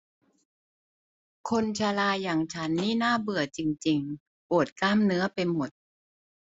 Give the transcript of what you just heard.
คนชราอย่างฉันนี่น่าเบื่อจริงจริงปวดกล้ามเนื้อไปหมด